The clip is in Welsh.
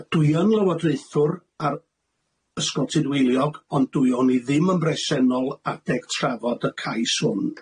Yy dwi yn lywodraethwr ar ysgol Tudweiliog, ond dw- o'n i ddim yn bresennol adeg trafod y cais hwn.